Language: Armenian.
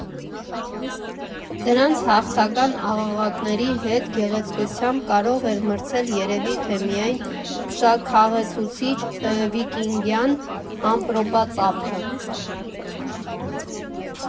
Դրանց հաղթական աղաղակների հետ գեղեցկությամբ կարող էր մրցել երևի թե միայն փշաքաղեցուցիչ վիկինգյան ամպրոպածափը։